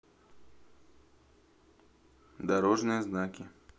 дорожные знаки